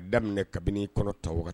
A daminɛ kabini kɔnɔ ta